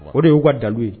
O de y'u ka dalu ye